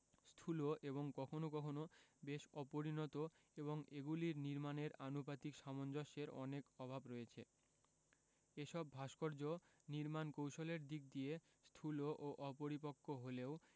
স্থূল এবং কখনও কখনও বেশ অপরিণত এবং এগুলির নির্মাণের আনুপাতিক সামঞ্জস্যের অনেক অভাব রয়েছে এ সব ভাস্কর্য নির্মাণ কৌশলের দিক দিয়ে স্থূল ও অপরিপক্ক হলেও